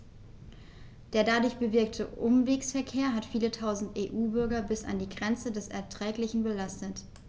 Der dadurch bewirkte Umwegsverkehr hat viele Tausend EU-Bürger bis an die Grenze des Erträglichen belastet.